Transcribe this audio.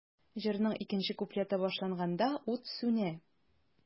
Җырның икенче куплеты башланганда, ут сүнә.